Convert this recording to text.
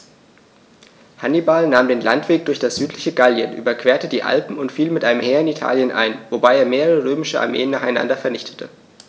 Hannibal nahm den Landweg durch das südliche Gallien, überquerte die Alpen und fiel mit einem Heer in Italien ein, wobei er mehrere römische Armeen nacheinander vernichtete.